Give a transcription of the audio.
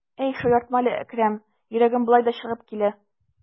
Әй, шаяртма әле, Әкрәм, йөрәгем болай да чыгып килә.